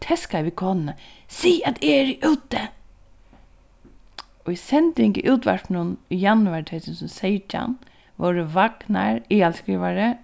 teskaði við konuni sig at eg eri úti í sending í útvarpinum í januar tvey túsund og seytjan vóru vagnar aðalskrivari